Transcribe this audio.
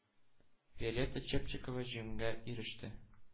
Виолетта Чепчикова җиңүгә иреште.